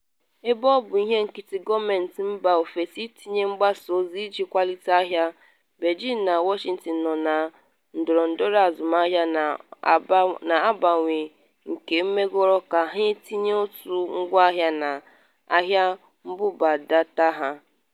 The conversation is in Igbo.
Ebe ọ bụ ihe nkiti gọọmentị mba ofesi itinye mgbasa ozi iji kwalite ahịa, Beijing na Washington nọ na ndọrọndọrọ azụmahịa na-abawanye nke megoro ka ha tinye ụtụ ngwahịa na ahịa mbubadata ha.